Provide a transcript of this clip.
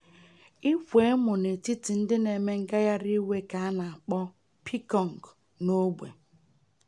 Ịkwa emo n'etiti ndị na-eme ngagharị iwe ka a na-akpọ "picong" n'ogbe.